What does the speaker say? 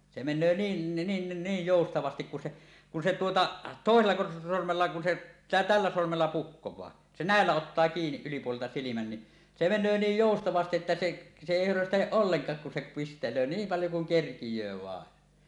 se menee niin niin niin joustavasti kun se kun se tuota toisella sormella kun se tällä sormella puhkoo se näillä ottaa kiinni ylipuolelta silmän niin se menee niin joustavasti että se se ei höröstele ollenkaan kun se pistelee niin paljon kuin kerkiää vain